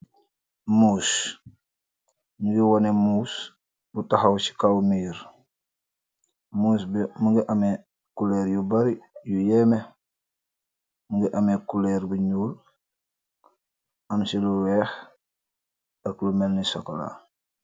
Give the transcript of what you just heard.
Moss nyugi woneh moss bu taxaw si kaw merr muss bi mogi ameh colur yu bari yu yemeh mogi ameh colur bu nuul am si lu weex ak lu melni chocola.